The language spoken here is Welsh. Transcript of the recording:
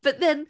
*But then...